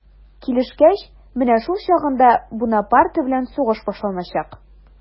Килешкәч, менә шул чагында Бунапарте белән сугыш башланачак.